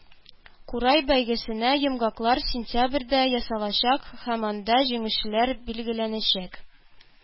Курай бәйгесенә йомгаклар сентябрьдә ясалачак һәм анда җиңүчеләр билгеләнәчәк